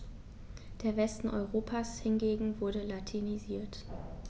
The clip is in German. Der Westen Europas hingegen wurde latinisiert.